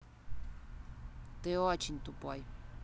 ты очень тупой